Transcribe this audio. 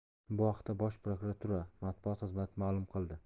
bu haqda bosh prokuratura matbuot xizmati ma'lum qildi